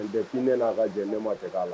Tɛ'mɛ n'a ka jan jɛ ne ma cɛ k'a la